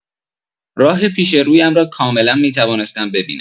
راه پیش رویم را کاملا می‌توانستم ببینم.